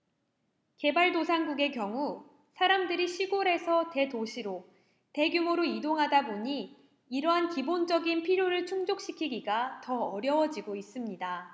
개발도상국의 경우 사람들이 시골에서 대도시로 대규모로 이동하다 보니 이러한 기본적인 필요를 충족시키기가 더 어려워지고 있습니다